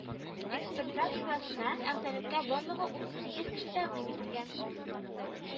Экспертлар шурасына әгъзалыкка барлыгы утыз сигез кеше тәкъдим ителгән